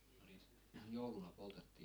no niitä jouluna poltettiin